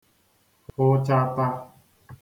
hụchata